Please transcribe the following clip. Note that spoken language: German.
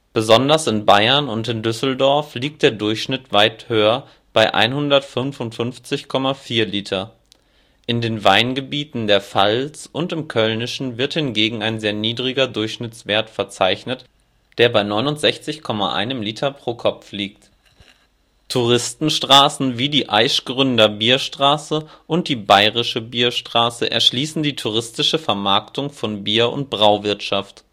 Besonders in Bayern und in Düsseldorf liegt der Durchschnitt weit höher: 155,4 Liter. In den Weingebieten der Pfalz und im Kölnischen wird hingegen ein sehr niedriger Durchschnittwert verzeichnet: 69,1 Liter pro Kopf. Touristenstraßen wie die Aischgründer Bierstraße und die Bayerische Bierstraße erschließen die touristische Vermarktung von Bier und Brauwirtschaft